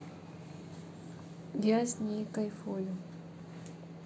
я с ней кайфую